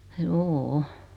juu